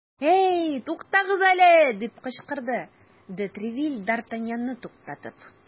Әйе, тукагыз әле! - дип кычкырды де Тревиль, д ’ Артаньянны туктатып.